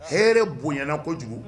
Hɛrɛ bonyayana kojugu